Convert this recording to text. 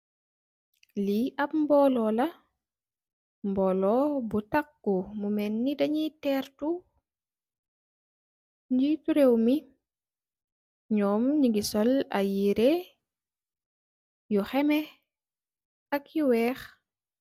Li ap mbolulah ap mboluh bu takku munge melni da nyuy tertu njetti rewmi nyum nyunge sul ayy nyerre yu khemeh ak yu wekh